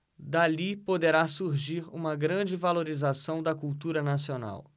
dali poderá surgir uma grande valorização da cultura nacional